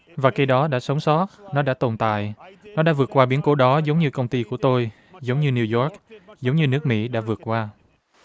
và cái đó đã sống sót nó đã tồn tại nó đã vượt qua biến cố đó giống như công ty của tôi giống như niu giooc giống như nước mỹ đã vượt qua